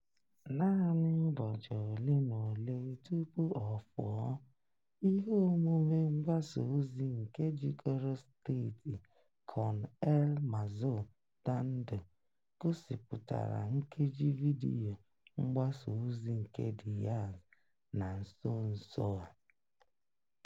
Naanị ụbọchị ole na ole tupu o fuo, ihe omume mgbasa ozi nke jikọrọ steeti Con el Mazo Dando gosipụtara nkeji vidiyo mgbasa ozi nke Diaz na nso nso a.